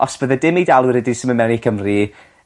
Os bydde dim Eidalwyr wedi symud mewn i Cymru